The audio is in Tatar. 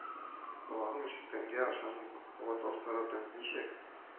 Колагым ишеткәнгә ышанмый кабатлап сорадым: — Ничек